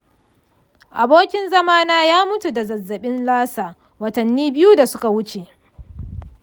abokin zama na ya mutu da zazzabin lassa watanni biyu da suka wuce.